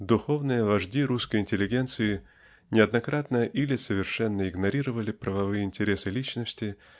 Духовные вожди русской интеллигенции неоднократно или совершенно игнорировали правовые интересы личности